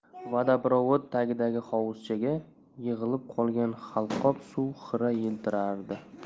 vadaprovod tagidagi hovuzchaga yig'ilib qolgan halqob suv xira yiltirardi